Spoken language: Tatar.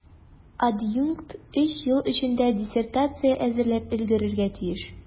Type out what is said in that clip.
Адъюнкт өч ел эчендә диссертация әзерләп өлгерергә тиеш.